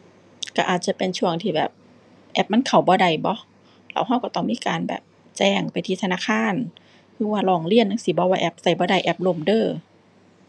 ก็อาจจะเป็นช่วงที่แบบแอปมันเข้าบ่ได้บ่ แล้วก็ก็ต้องมีการแบบแจ้งไปที่ธนาคาร หรือว่าร้องเรียนจั่งซี้บ่ว่าแอปก็บ่ได้ แอปล้มเด้อ